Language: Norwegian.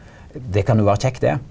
det kan jo vera kjekt det.